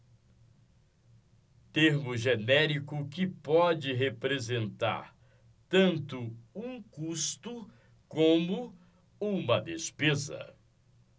termo genérico que pode representar tanto um custo como uma despesa